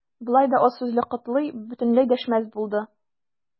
Болай да аз сүзле Котлый бөтенләй дәшмәс булды.